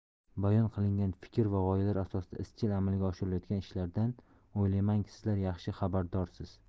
bayon qilingan fikr va g'oyalar asosida izchil amalga oshirilayotgan ishlardan o'ylaymanki sizlar yaxshi xabardorsiz